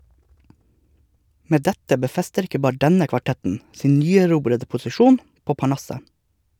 Med dette befester ikke bare denne kvartetten sin nyerobrede posisjon på parnasset.